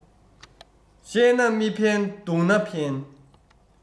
བཤད ན མི ཕན རྡུང ན ཕན